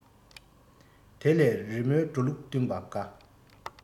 དེ ལས རི མོའི འགྲོ ལུགས བསྟུན པ དགའ